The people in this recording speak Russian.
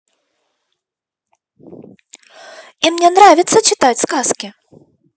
и мне нравится читать сказки